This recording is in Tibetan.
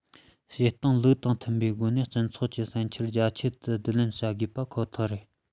བྱེད སྟངས ལུགས དང མཐུན པའི སྒོ ནས སྤྱི ཚོགས ཀྱི བསམ འཆར རྒྱ ཁྱབ ཏུ བསྡུ ལེན བྱ དགོས པ ཁོ ཐག རེད